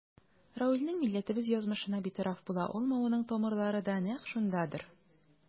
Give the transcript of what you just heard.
Равилнең милләтебез язмышына битараф була алмавының тамырлары да нәкъ шундадыр.